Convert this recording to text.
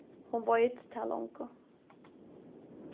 hon veit tað longu